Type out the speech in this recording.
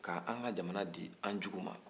ka an ka jamana di anjuguw ma